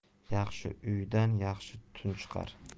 yaxshi uydan yaxshi tutun chiqar